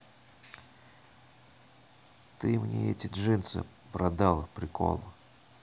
ты мне эти джинсы продал прикол